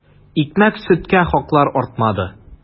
Икмәк-сөткә хаклар артмады.